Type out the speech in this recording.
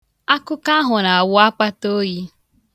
Akụkọ ahụ na-awụ akpataoyi.